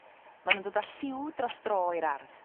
Ma' nw'n dod â lliw dros dro i'r ardd